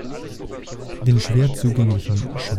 den schwer zugänglichen Schwarzwaldtälern